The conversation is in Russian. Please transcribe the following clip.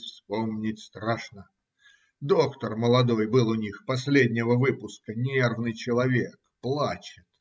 вспомнить страшно!" Доктор молодой был у них, последнего выпуска, нервный человек. Плачет.